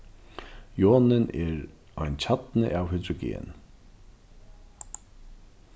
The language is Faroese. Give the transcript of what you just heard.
jonin er ein kjarni av hydrogen